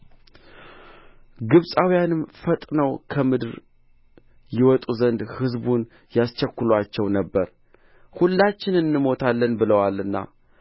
ግብፃውያንም ፈጥነው ከምድሩ ይወጡ ዘንድ ሕዝቡን ያስቸኵሉአቸው ነበር ሁላችን እንሞታለን ብለዋልና